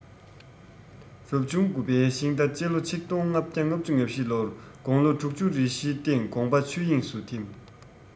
རབ བྱུང དགུ བའི ཤིང རྟ ཕྱི ལོ ༡༥༥༤ ལོར དགུང ལོ དྲུག ཅུ རེ བཞིའི སྟེང དགོངས པ ཆོས དབྱིངས སུ འཐིམས